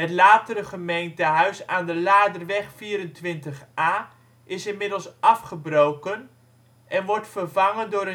latere gemeentehuis aan de Laarderweg 24a is inmiddels afgebroken en wordt vervangen door